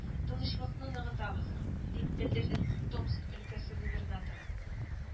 Тынычлыкны ныгытабыз - дип белдерде томск өлкәсе губернаторы